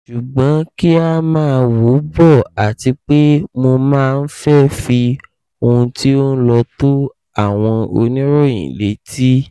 Ṣùgbọ́n kí á máa wò bọ̀ àtipé mo máa ń fẹ́ fi ohun tí ó ńlọ tó àwọn oníròyìn létí.